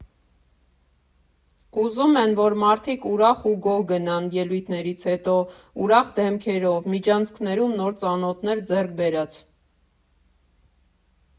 Ուզում են, որ մարդիկ ուրախ ու գոհ գնան՝ ելույթներից հետո՝ ուրախ դեմքերով, միջանցքներում նոր ծանոթներ ձեռք բերած։